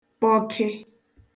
kpọke